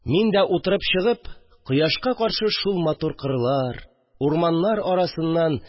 Мин дә, утырып чыгып, кояшка каршы шул матур кырлар, урманнар арасыннан